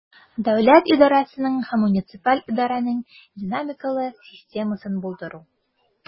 Дәүләт идарәсенең һәм муниципаль идарәнең динамикалы системасын булдыру.